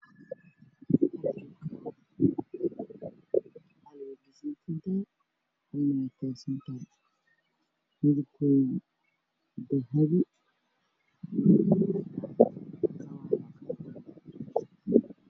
Waxa ay muuqda laba kaloo ka kooban yahay jaalo caddaan miis ay saaranyihiin